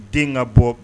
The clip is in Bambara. Den ka bɔ